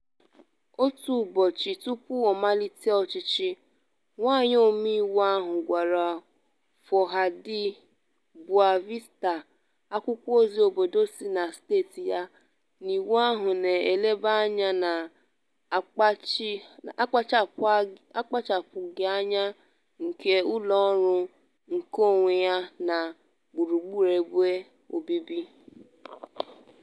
Otu ụbọchị tupu ọ malite ọchịchị, nwaanyị omeiwu ahụ gwara Folha de Boa Vista, akwụkwọozi obodo si na steeti ya, na iwu ahụ na-eleba anya na akpachapụghị anya nke ụlọọrụ nkeonwe na gburugburu ebe obibi: